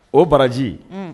O baraji